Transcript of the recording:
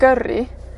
gyrru,